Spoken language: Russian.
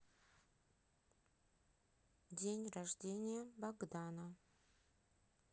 день рождения богдана